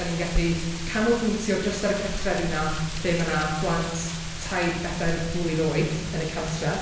Dan ni'n gallu canolbwyntio jyst ar y cartrefi 'na lle ma' 'na blant tair i bedair blwydd oed yn y cartre.